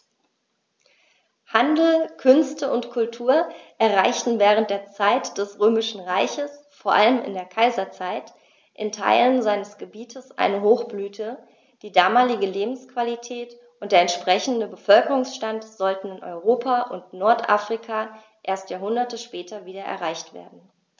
Handel, Künste und Kultur erreichten während der Zeit des Römischen Reiches, vor allem in der Kaiserzeit, in Teilen seines Gebietes eine Hochblüte, die damalige Lebensqualität und der entsprechende Bevölkerungsstand sollten in Europa und Nordafrika erst Jahrhunderte später wieder erreicht werden.